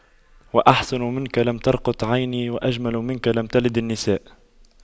وأحسن منك لم تر قط عيني وأجمل منك لم تلد النساء